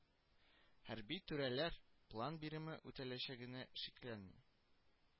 Хәрби түрәләр план биреме үтәләчәгенә шикләнми